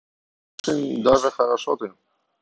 очень даже хорошо ты